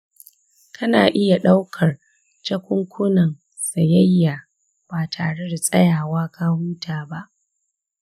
kana iya ɗaukar jakunkunan sayayya ba tare da tsayawa ka huta ba?